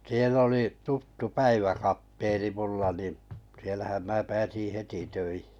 siellä oli tuttu päiväkapteeni minulla niin siellähän minä pääsin heti töihin